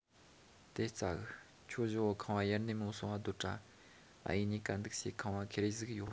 དེ སྩ གི ཁྱོད བཞི བོ ཁང བ ཡར སྣེ མོ སོང ང སྡོད དྲ ཨ ཡེས གཉིས ཀ འདུག སའི ཁང བ ཁེར རེ ཟིག ཡོད